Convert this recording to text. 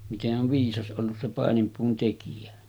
miten on viisas ollut se paininpuun tekijä